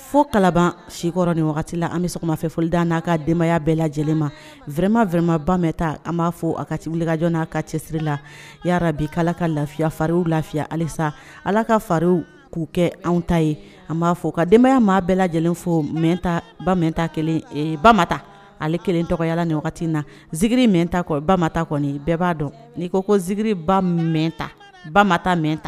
Fo kalaban sikɔrɔ ni wagati an bɛma fɛ fɔli da n'a ka denbayaya bɛɛla lajɛlen ma vma vmaba mɛnta an b'a fɔ a ka cibilikajɔ n'a ka cɛsiri la yara bi ala ka lafiya farinw lafiya alesa ala ka farinw k'u kɛ anw ta ye an b'a fɔ ka denbayaya maa bɛɛ lajɛlen fo mɛn ba mɛnta kelen bata ale kelen tɔgɔyala nin wagati in na ziiri mɛn taa ba bɛɛ b'a dɔn n'i ko ko ziiririba mɛnta ba mɛn